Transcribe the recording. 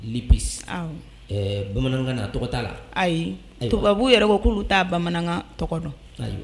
bi bamanankan tɔgɔ'a la ayi tubabu b'u yɛrɛ ko k'olu taa bamanankan tɔgɔ dɔn